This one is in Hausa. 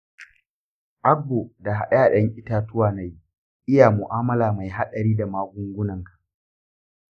agbo da haɗe haɗen itatuwa nayi iya mu'amala mai haɗari da magungunan ka